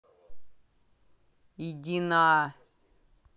иди на